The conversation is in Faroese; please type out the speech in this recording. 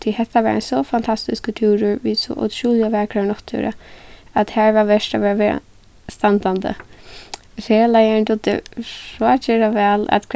tí hetta var ein so fantastiskur túrur við so ótrúliga vakrari náttúru at har var vert at verða standandi ferðaleiðarin dugdi frágerða væl at